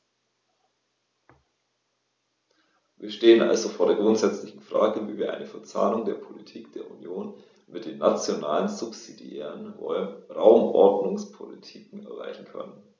Wir stehen also vor der grundsätzlichen Frage, wie wir eine Verzahnung der Politik der Union mit den nationalen subsidiären Raumordnungspolitiken erreichen können.